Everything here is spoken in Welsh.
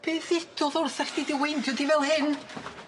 Be ddedodd o wrthach chdi 'di weindio di fel hyn?